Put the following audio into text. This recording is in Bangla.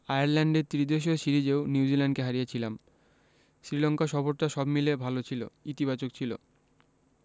আয়ারল্যান্ডে ত্রিদেশীয় সিরিজেও নিউজিল্যান্ডকে হারিয়েছিলাম শ্রীলঙ্কা সফরটা সব মিলিয়ে ভালো ছিল ইতিবাচক ছিল